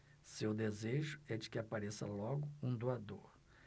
seu desejo é de que apareça logo um doador